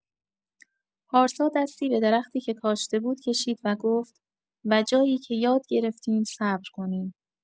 پارسا دستی به درختی که کاشته بود کشید و گفت: «و جایی که یاد گرفتیم صبر کنیم.»